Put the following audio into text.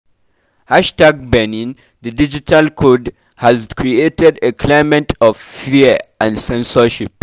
#Bénin The digital code has created a climate of fear and censorship.